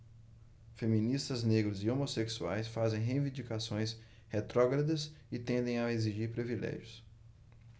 feministas negros e homossexuais fazem reivindicações retrógradas e tendem a exigir privilégios